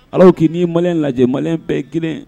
Alors que n'i ye maliyɛn lajɛ, maliyɛn bɛɛ ye 1 ye.